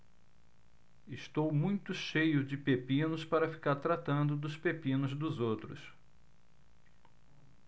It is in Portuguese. estou muito cheio de pepinos para ficar tratando dos pepinos dos outros